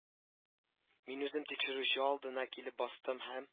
Мин үзем тикшерүче алдына килеп бастым һәм